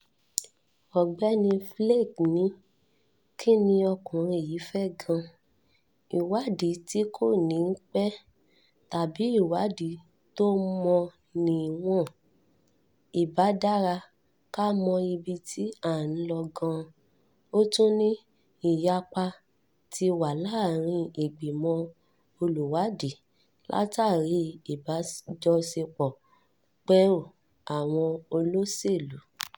Ọ̀gbẹ́ni Flake ní, “Kí ni ọkùnri yìí fẹ́ gan-an – ìwádìí tí kò ní pẹ́, tàbí iwádìí tó mọ níwọ̀n? Ìbá dára ka mọ ibi tí à ń lọ gan-an. Ó tún ní “ìyapa” ti wà láárin ìgbìmọ̀ olùwádìí látàrí ìbájọṣepọ̀ pẹ̀ú àwọn olóṣèlú.